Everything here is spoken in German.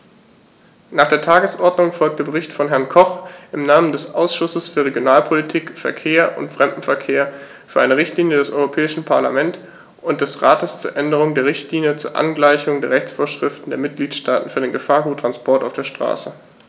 Nach der Tagesordnung folgt der Bericht von Herrn Koch im Namen des Ausschusses für Regionalpolitik, Verkehr und Fremdenverkehr für eine Richtlinie des Europäischen Parlament und des Rates zur Änderung der Richtlinie zur Angleichung der Rechtsvorschriften der Mitgliedstaaten für den Gefahrguttransport auf der Straße.